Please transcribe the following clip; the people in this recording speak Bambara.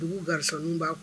Dugu gari b'a